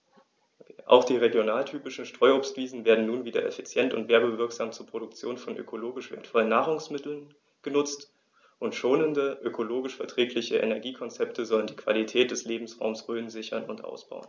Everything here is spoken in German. Auch die regionaltypischen Streuobstwiesen werden nun wieder effizient und werbewirksam zur Produktion von ökologisch wertvollen Nahrungsmitteln genutzt, und schonende, ökologisch verträgliche Energiekonzepte sollen die Qualität des Lebensraumes Rhön sichern und ausbauen.